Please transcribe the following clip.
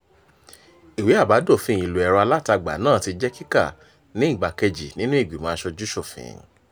Ìwé àbádòfin ìlò ẹ̀rọ alátagbà náà ti jẹ́ kíkà ní ìgbà kejì nínú ìgbìmọ̀ Aṣojú-ṣòfin.